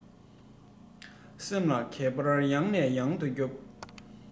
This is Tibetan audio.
སེམས ལ གད བདར ཡང ནས ཡང དུ རྒྱོབ